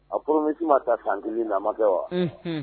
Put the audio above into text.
A promesse ma ta san kelen de a ma kɛ wa?